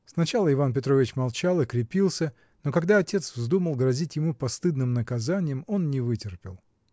Сначала Иван Петрович молчал и крепился, но когда отец вздумал грозить ему постыдным наказаньем, он не вытерпел.